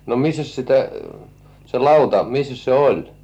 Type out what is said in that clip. no missäs sitä se lauta missäs se oli